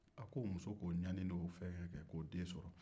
a ko muso ka o ɲani ni o sɛgɛn kɛ k'o den sɔrɔ